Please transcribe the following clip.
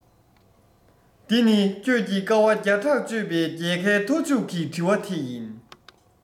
འདི ནི ཁྱོད ཀྱིས དཀའ བ བརྒྱ ཕྲག སྤྱོད པའི རྒྱལ ཁའི མཐའ མཇུག གི དྲི བ དེ ཡིན